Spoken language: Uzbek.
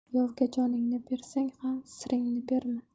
yovga joningni bersang ham siringni berma